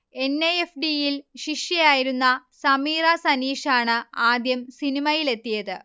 N. I. F. D. യിൽ ശിഷ്യയായിരുന്ന സമീറ സനീഷാണ് ആദ്യം സിനിമയിലെത്തിയത്